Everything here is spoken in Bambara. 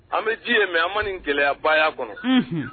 An be ji ye mais an ma nin gɛlɛyaya ba ya kɔnɔ. Unhun